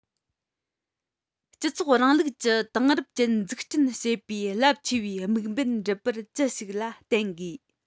སྤྱི ཚོགས རིང ལུགས ཀྱི དེང རབས ཅན འཛུགས སྐྲུན བྱེད པའི རླབས ཆེ བའི དམིགས འབེན འགྲུབ པར ཅི ཞིག ལ བརྟེན དགོས